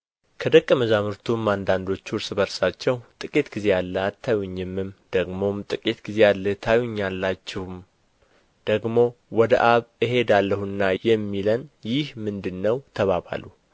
ከደቀ መዛሙርቱም አንዳንዶቹ እርስ በርሳቸው ጥቂት ጊዜ አለ አታዩኝምም ደግሞም ጥቂት ጊዜ አለ ታዩኛላችሁም ደግሞ ወደ አብ እሄዳለሁና የሚለን ይህ ምንድር ነው ተባባሉ